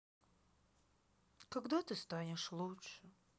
когда ты станешь лучше